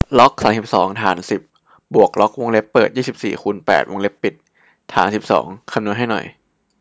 ล็อกสามสิบสองฐานสิบบวกล็อกวงเล็บเปิดยี่สิบสี่คูณแปดวงเล็บปิดฐานสิบสองคำนวณให้หน่อย